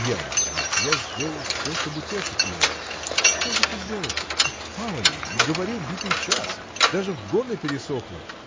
– Я не виноват, я сделал все, чтоб утешить его. – Что ж ты сделал? – Мало ли? И говорил битый час. даже в горле пересохло.